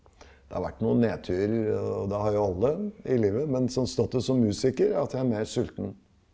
der har vært noen nedturer og det har jo alle i livet, men sånn status som musiker er at jeg er mer sulten.